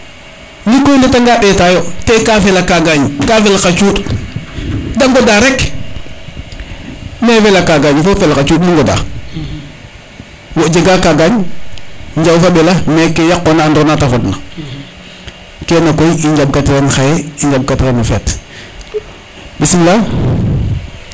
ndiki koy i ndeta nga ndeta yo te ka fela kagañ ka fel xa cuuɗ de ngoda rek me fela kagañ ka fel xa cuuɗ de ngoda wo jega kaga njawfa ɓela mais ke yaqona andira nate fodna kene koy i njaɓka tiran xaye njaɓka tiran o feet bismila